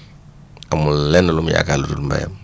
amul lenn lu mu yaakaar lu dul mbéyam